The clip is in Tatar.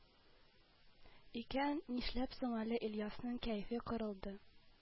Икән, нишләп соң әле ильясның кәефе кырылды